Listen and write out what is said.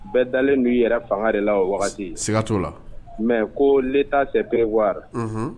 Bɛɛ dalen don i yɛrɛ fanga de la o wagati, sigaka t'o la, mais ko l'Etat c'est prévoir